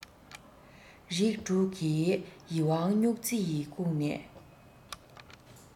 རིགས དྲུག གི ཡིད དབང སྨྱུག རྩེ ཡིས བཀུག ནས